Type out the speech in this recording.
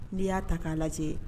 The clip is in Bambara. N'i y'a ta k'a lajɛ